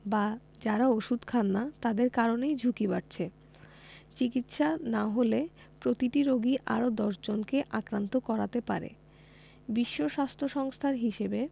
বা যারা ওষুধ খান না তাদের কারণেই ঝুঁকি বাড়ছে চিকিৎসা না হলে প্রতিটি রোগী আরও ১০ জনকে আক্রান্ত করাতে পারে বিশ্ব স্বাস্থ্য সংস্থার হিসেবে